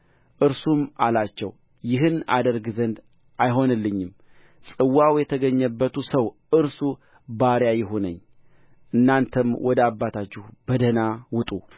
እርሱም እላቸው ይህን አደርግ ዘንድ አይሆንልኝም ጽዋው የተገኘበቱ ሰው እርሱ ባሪያ ይሁነኝ እናንተም ወደ አባታችሁ በደኅና ውጡ